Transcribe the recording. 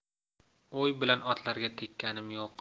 o'y bilan otlarga tekkanim yo'q